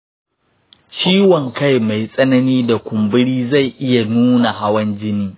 ciwon kai mai tsanani da kumburi zai iya nuna hawan jini.